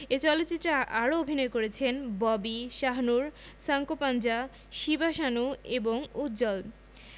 এ চলচ্চিত্রে আরও অভিনয় করেছেন ববি শাহনূর সাঙ্কোপাঞ্জা শিবা সানু এবং উজ্জ্বল